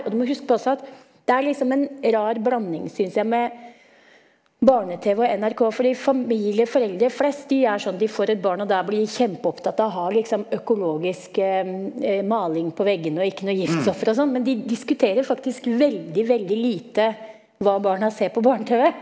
og du må huske på også at det er liksom en rar blanding syns jeg med barne-tv og NRK fordi familie, foreldre flest de er sånn, de får et barn og da er blir de kjempeopptatt av å ha liksom økologisk maling på veggene og ikke noen giftstoffer og sånn, men de diskuterer faktisk veldig veldig lite hva barna ser på barne-tv.